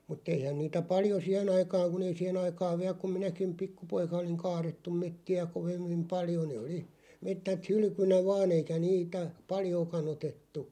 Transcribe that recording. mutta eihän niitä paljon siihen aikaan kun ei siihen aikaan vielä kun minäkin pikkupoika olin kaadettu metsiä kovimmin paljon ne oli metsät hylkynä vain eikä niitä paljoakaan otettu